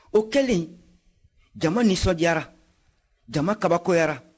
o kɛlen jama nisɔndiyara jama kabakoyara